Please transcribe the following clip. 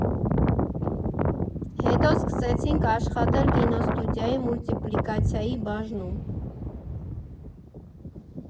Հետո սկսեցինք աշխատել կինոստուդիայի մուլտիպլիկացիայի բաժնում։